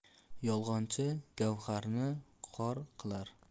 yolg'onchi gavharni xor qilar